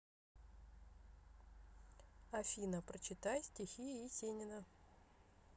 афина прочитай стихи есенина